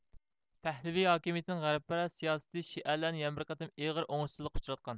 پەھلىۋى ھاكىمىيىتىنىڭ غەربپەرەس سىياسىتى شىئەلەرنى يەنە بىر قېتىم ئېغىر ئوڭۇشسىزلىققا ئۇچراتقان